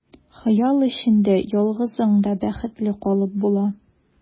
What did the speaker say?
Хыял эчендә ялгызың да бәхетле калып була.